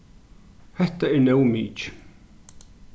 hetta er nóg mikið